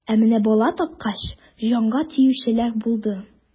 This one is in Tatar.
Ә менә бала тапкач, җанга тиючеләр булды.